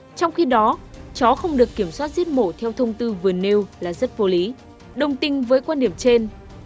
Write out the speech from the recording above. trong khi đó chó không được kiểm soát giết mổ theo thông tư vừa nêu là rất vô lý đồng tình với quan điểm trên